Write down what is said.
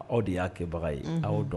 Aw de y'a kɛbaga ye aw' dɔn